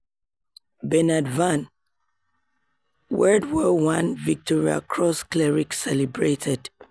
Bernard Vann: WW1 Victoria Cross cleric celebrated